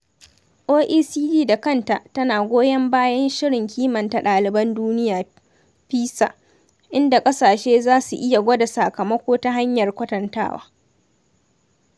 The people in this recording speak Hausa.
OECD da kanta tana goyon bayan Shirin Kimanta Ɗaliban Duniya (PISA), inda ƙasashen za su iya gwada sakamako ta hanyar kwatantawa.